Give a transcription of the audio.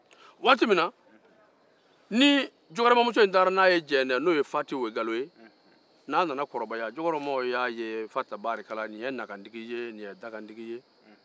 waati min na ni jakoramamuso taara n'a ye jɛnɛ ni jakoramaw y'a ye ko ni ye nakantigi ye